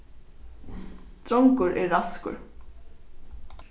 drongur er raskur